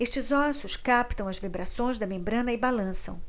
estes ossos captam as vibrações da membrana e balançam